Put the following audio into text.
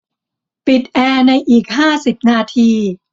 ปิดแอร์ในอีกห้าสิบนาที